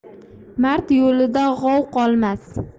mard yo'lida g'ov qolmas